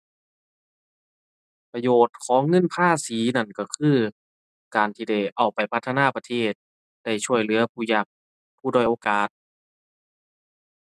ประโยชน์ของเงินภาษีนั้นก็คือ การที่ได้เอาไปพัฒนาประเทศ ได้ช่วยเหลือผู้ยาก ผู้ด้อยโอกาส